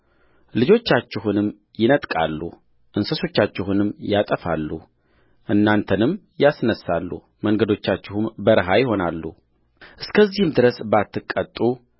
ልጆቻችሁንም ይነጥቃሉ እንስሶቻችሁንም ያጠፋሉ እናንተንም ያሳንሳሉ መንገዶቻችሁም በረሃ ይሆናሉእስከዚህም ድረስ ባትቀጡ